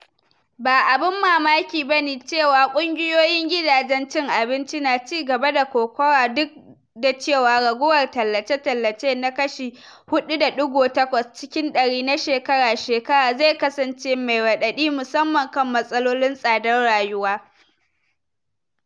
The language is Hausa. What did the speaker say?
Ba abin mamaki ba ne cewa ƙungiyoyin gidajen cin abinci na ci gaba da kokawa, duk da cewa raguwar tallace-tallace na kashi 4.8 cikin 100 na shekara-shekara zai kasance mai raɗaɗi musamman kan matsalolin tsadar rayuwa.